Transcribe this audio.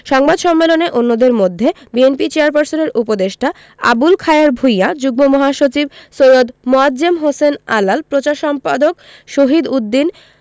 সংবাদ সম্মেলনে অন্যদের মধ্যে বিএনপি চেয়ারপারসনের উপদেষ্টা আবুল খায়ের ভূইয়া যুগ্ম মহাসচিব সৈয়দ মোয়াজ্জেম হোসেন আলাল প্রচার সম্পাদক শহীদ উদ্দিন